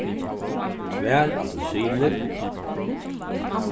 tvær appilsinir